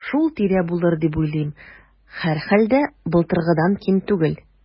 Шул тирә булыр дип уйлыйм, һәрхәлдә, былтыргыдан ким түгел.